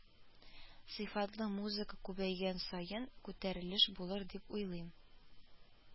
Сыйфатлы музыка күбәйгән саен, күтәрелеш булыр дип уйлыйм